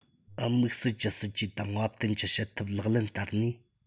དམིགས བསལ གྱི སྲིད ཇུས དང བབ བསྟུན གྱི བྱེད ཐབས ལག ལེན བསྟར ནས